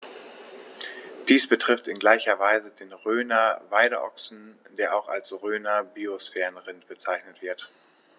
Dies betrifft in gleicher Weise den Rhöner Weideochsen, der auch als Rhöner Biosphärenrind bezeichnet wird.